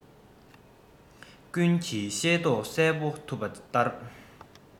ཀུན གྱིས ཤེས རྟོགས གསལ པོ ཐུབ པ ལྟར